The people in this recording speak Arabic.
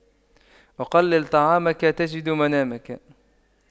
أقلل طعامك تجد منامك